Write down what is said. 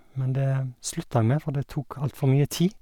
Men det slutta jeg med, for det tok altfor mye tid.